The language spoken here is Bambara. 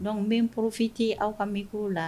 Dɔnku n bɛ n porofite aw ka mikkuru la